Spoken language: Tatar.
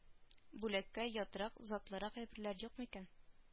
Бүләккә ятрак затлырак әйберләр юк микән